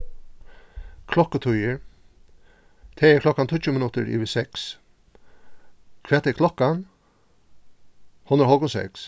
klokkutíðir tað er klokkan tíggju minuttir yvir seks hvat er klokkan hon er hálvgum seks